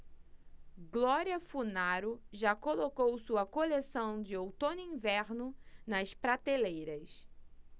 glória funaro já colocou sua coleção de outono-inverno nas prateleiras